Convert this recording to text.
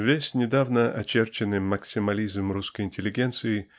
Весь недавно очерченный максимализм русской интеллигенции